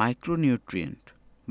micronutrient